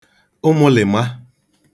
ụmụlị̀ma